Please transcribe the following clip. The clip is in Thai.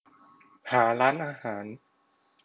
หาร้านอาหาร